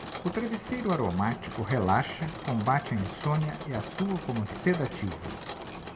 o travesseiro aromático relaxa combate a insônia e atua como sedativo